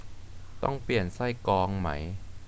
ต้องเปลี่ยนไส้กรองไหม